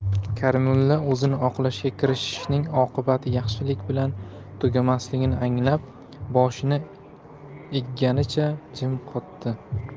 karimulla o'zini oqlashga kirishishning oqibati yaxshilik bilan tugamasligini anglab boshini egganicha jim qotdi